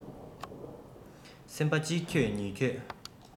སེམས པ གཅིག འགྱོད གཉིས འགྱོད